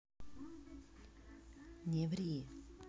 не ври